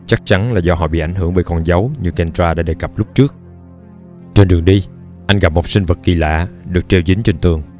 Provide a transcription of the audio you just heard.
chắc chắn là do họ bị ảnh hưởng bởi con dấu như kendra đã đề cập lúc trước trên đường đi anh gặp một sinh vật kỳ lạ được treo dính trên tường